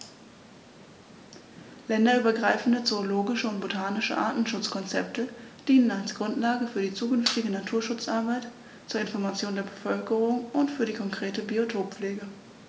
Länderübergreifende zoologische und botanische Artenschutzkonzepte dienen als Grundlage für die zukünftige Naturschutzarbeit, zur Information der Bevölkerung und für die konkrete Biotoppflege.